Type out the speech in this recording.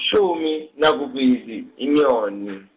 shumi, nakubili, Inyoni.